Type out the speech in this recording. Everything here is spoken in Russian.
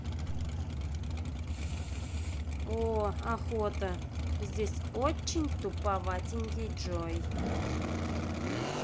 ооо охота здесь очень туповатенький джой